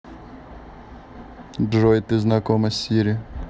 джой ты знакома с сири